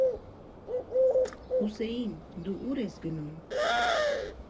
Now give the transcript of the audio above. «Հուսեի՛ն, դո՞ւ ուր ես գնում»։